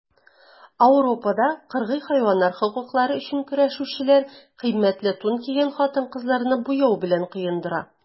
Ауропада кыргый хайваннар хокуклары өчен көрәшүчеләр кыйммәтле тун кигән хатын-кызларны буяу белән коендыра.